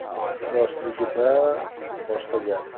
yoshligida boshqa gap